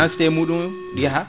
densité muɗum yaaha